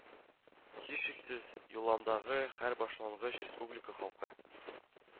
Һичшиксез, Юлламадагы һәр башлангыч республика халкы